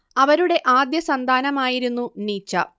അവരുടെ ആദ്യസന്താനമായിരുന്നു നീച്ച